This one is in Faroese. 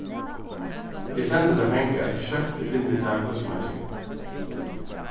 eg sendi tær pengar so skjótt eg finni útav hvussu mann ger